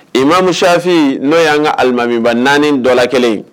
I mamusyafi n'o y' kalimamiba naani dɔ la kelen